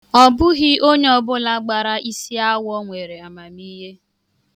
Ọ bụghị onye ọbụla gbara isiawọ nwere amamihe.